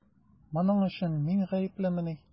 Моның өчен мин гаеплемени?